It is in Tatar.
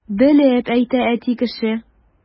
Белеп әйтә әти кеше!